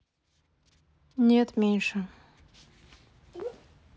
нет меньше